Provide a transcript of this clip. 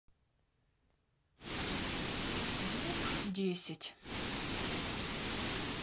звук десять